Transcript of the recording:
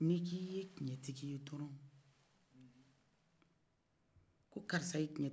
n'ik'ye cɛn tigiye dɔrɔ ko karisa ye cɛ tigiye